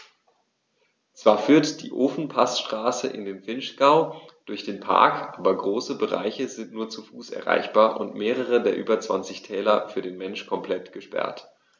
Zwar führt die Ofenpassstraße in den Vinschgau durch den Park, aber große Bereiche sind nur zu Fuß erreichbar und mehrere der über 20 Täler für den Menschen komplett gesperrt.